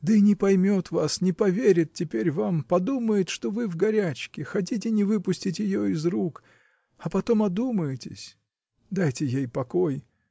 Да и не поймет вас, не поверит теперь вам, подумает, что вы в горячке, хотите не выпустить ее из рук, а потом одумаетесь. Дайте ей покой.